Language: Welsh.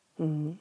Hmm.